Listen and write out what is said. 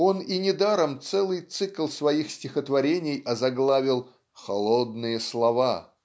он и недаром целый цикл своих стихотворений озаглавил "Холодные слова"